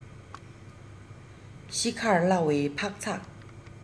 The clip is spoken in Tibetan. ཤི ཁར གླ བའི འཕག ཚག